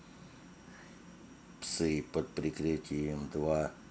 псы под прикрытием два